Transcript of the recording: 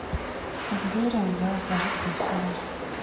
звери я ухожу красиво